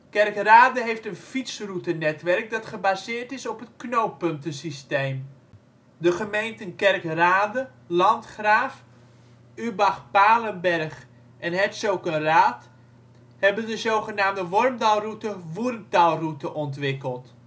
Kerkrade heeft een fietsroutenetwerk dat gebaseerd is op het Knooppuntensysteem. De gemeenten Kerkrade, Landgraaf, Übach-Palenberg en Herzogenrath hebben de zogenaamde Wormdalroute/Wurmtalroute ontwikkeld